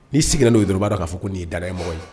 N'i sigilenna'o dɔrɔn bbaa k'a ko nin'i damɔgɔ ye